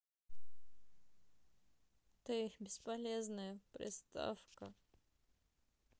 ты бесполезная приставка